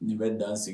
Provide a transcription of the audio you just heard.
N bɛ dan segin